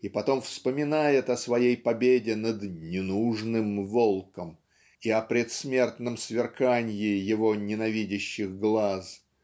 и потом вспоминает о своей победе над "ненужным" волком и о предсмертном сверканье его ненавидящих глаз